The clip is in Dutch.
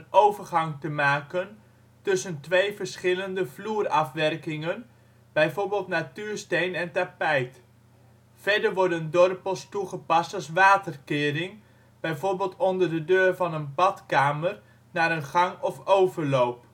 overgang te maken tussen twee verschillende vloerafwerkingen, bv natuursteen en tapijt. Verder worden dorpels toegepast als waterkering, bv onder de deur van een badkamer naar een gang of overloop